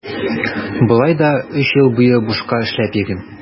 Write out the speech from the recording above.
Болай да өч ел буе бушка эшләп йөрим.